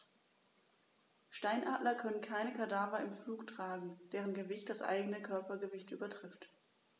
Steinadler können keine Kadaver im Flug tragen, deren Gewicht das eigene Körpergewicht übertrifft.